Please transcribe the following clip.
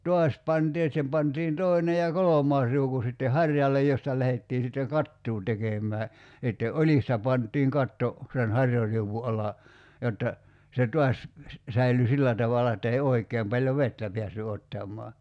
taas pantiin että siihen pantiin toinen ja kolmas riuku sitten harjalle josta lähdettiin sitten kattoa tekemään ja sitten oljista pantiin katto sen harjariu'un alle jotta se taas säilyi sillä tavalla että ei oikein paljon vettä päässyt ottamaan